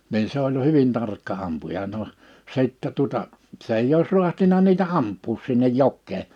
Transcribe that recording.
niin se oli hyvin tarkka ampuja no sitten tuota se ei olisi raatsinut niitä ampua sinne jokeen